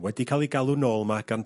...wedi cael 'u galw nôl 'ma gan...